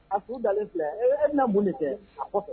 A futa dalenlen filɛ e na mun nin kɛ